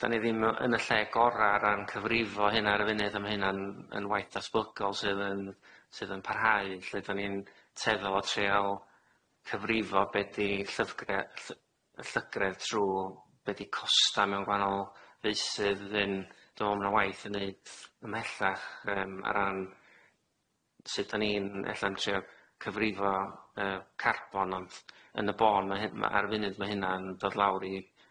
'dan ni ddim yn y lle gora' ar ran cyfrifo hynna ar y funud a ma' hynna'n yn waith datblygol sydd yn sydd yn parhau lle do'n ni'n teddol o trial cyfrifo be' di llyfgre- lly- llygredd trw be' di costa mewn gwahanol feysydd yn dwi me'l ma' waith yn neud ymhellach yym ar ran sud do'n ni'n ella'n trio cyfrifo yy carbon ond yn y bon ma' hy- ma' ar funud ma' hynna'n dod lawr i